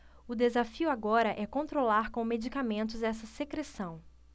o desafio agora é controlar com medicamentos essa secreção